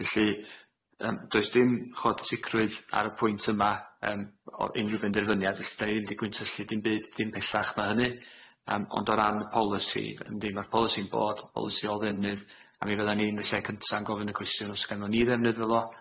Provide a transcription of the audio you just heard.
Felly yym does dim ch'od sicrwydd ar y pwynt yma yym o unrhyw benderfyniad ell- 'dan ni ddim 'di gwyntyllu dim byd dim pellach na hynny yym ond o ran y polisi yndi, ma'r polisi'n bod, polisi ôl ddefnydd a mi fyddan ni yn y lle cynta'n gofyn y cwestiwn os gan'on ni ddefnydd iddo fo.